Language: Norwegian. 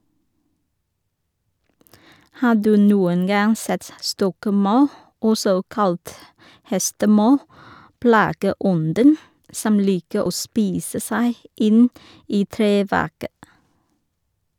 Har du noen gang sett stokkmaur, også kalt hestemaur, plageånden som liker å spise seg inn i treverket?